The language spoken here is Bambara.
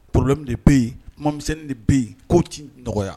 Problème de bɛ yen kumamisɛnnin de bɛ yen kow ti nɔgɔya